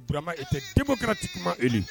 Ura e tɛ temo kɛra tɛ kuma e